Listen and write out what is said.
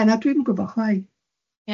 Ie na, dwi'm yn gwybo chwaith?